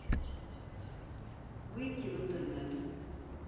выйти в интернет